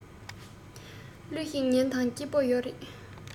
གླུ ཞིག ཉན དང སྐྱིད པོ ཡོད རེད